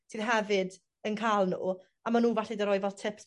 sydd hefyd yn ca'l n'w, ma' n'w falle 'di roi fel tips